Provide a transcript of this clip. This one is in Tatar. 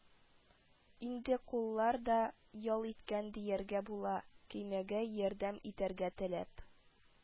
Инде куллар да ял иткән дияргә була, көймәгә ярдәм итәргә теләп